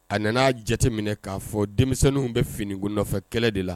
A nana jate minɛ k'a fɔ denmisɛnninw bɛ fininko nɔfɛ kɛlɛ de la.